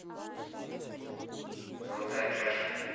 золотая чаша